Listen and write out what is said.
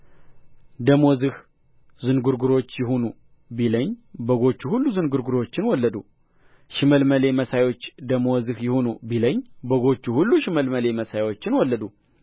ደመወዝህ ዝንጕርጕሮች ይሁኑ ቢለኝ በጎቹ ሁሉ ዝንጕርጕሮችን ወለዱ ሽመልመሌ መሳዮቹ ደመወዝህ ይሁኑ ቢለኝ በጎቹ ሁሉ ሽመልመሌ መሳዮችን ወለዱ